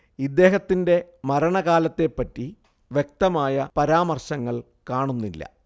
ഇദ്ദേഹത്തിന്റെ മരണകാലത്തെപ്പറ്റി വ്യക്തമായ പരാമർശങ്ങൾ കാണുന്നില്ല